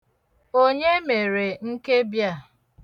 Onye mere nkebi a?